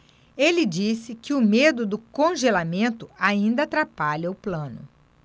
ele disse que o medo do congelamento ainda atrapalha o plano